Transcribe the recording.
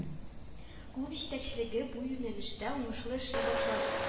Клуб җитәкчелеге бу юнәлештә уңышлы эшли башлады